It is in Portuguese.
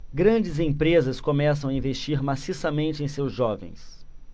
grandes empresas começam a investir maciçamente em seus jovens